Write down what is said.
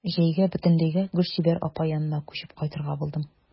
Җәйгә бөтенләйгә Гөлчибәр апа янына күчеп кайтырга булдым.